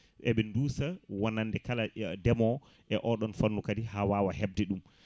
eɓe dusa wonande kala ndeemowo e oɗon fannu kadi ha wawa hande hebde ɗum